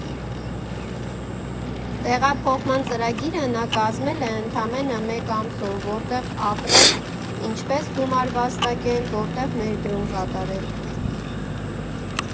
Տեղափոխման ծրագիրը նա կազմել է ընդամենը մեկ ամսում՝որտեղ ապրել, ինչպես գումար վաստակել, որտեղ ներդրում կատարել։